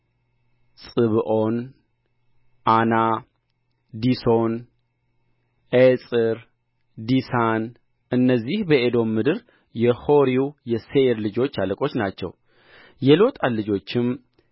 ፅብዖን ዓና ዲሶን ኤጽር ዲሳን እነዚህ በኤዶም ምድር የሖሪው የሴይር ልጆች አለቆች ናቸው የሎጣን ልጆችም